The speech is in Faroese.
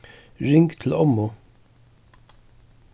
ring til ommu